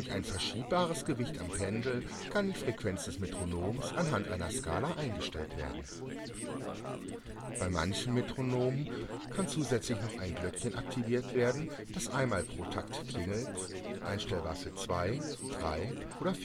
ein verschiebbares Gewicht am Pendel kann die Frequenz des Metronoms anhand einer Skala eingestellt werden. Bei manchen Metronomen kann zusätzlich noch ein Glöckchen aktiviert werden, das einmal pro Takt klingelt, einstellbar für zwei -, drei - oder